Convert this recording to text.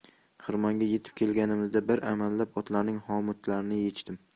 xirmonga yetib kelganimizda bir amallab otlarning xomutlarini yechdim